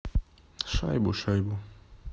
шайбу шайбу